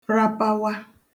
rapawa